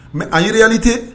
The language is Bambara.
Mɛ airili tɛ